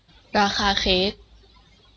ราคาเค้ก